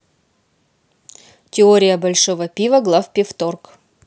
теория большого пива главпивторг